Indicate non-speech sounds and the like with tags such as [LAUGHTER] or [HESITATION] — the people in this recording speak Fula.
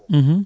[HESITATION] [HESITATION]